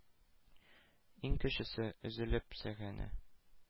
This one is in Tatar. Иң кечесе, өзелеп сөйгәне.